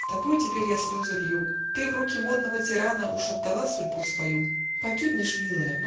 С тобой теперь я слезы лью; Ты в руки модного тирана Уж отдала судьбу свою. Погибнешь, милая